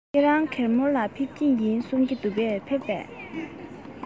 ཁྱེད རང གོར མོ ལ འགྲོ རྒྱུ ཡིན གསུང པས ཕེབས སོང ངམ